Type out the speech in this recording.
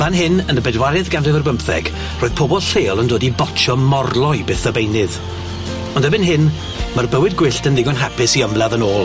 Fan hyn, yn y bedwaredd ganrif ar bymtheg, roedd pobol lleol yn dod i botsio morloi byth a beunydd, ond erbyn hyn, ma'r bywyd gwyllt yn ddigon hapus i ymladd yn ôl.